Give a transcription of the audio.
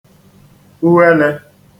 ughele